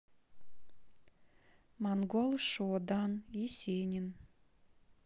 монгол шуудан есенин